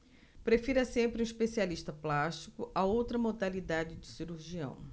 prefira sempre um especialista plástico a outra modalidade de cirurgião